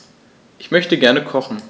Ich möchte gerne kochen.